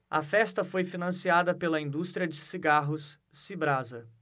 a festa foi financiada pela indústria de cigarros cibrasa